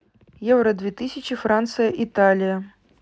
евро две тысячи франция италия